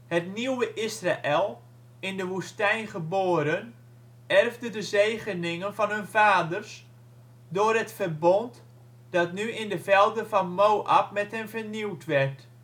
Het nieuwe Israël, in de woestijn geboren, erfde de zegeningen van hun vaders, door het verfbond dat nu in de velden van Moab met hen vernieuwd werd